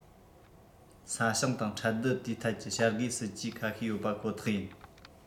ས ཞིང དང ཁྲལ བསྡུ དེའི ཐད ཀྱི བྱ དགའི སྲིད ཇུས ཁ ཤས ཡོད པ ཁོ ཐག ཡིན